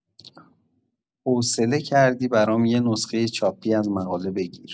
حوصله کردی برام یه نسخه چاپی از مقاله بگیر.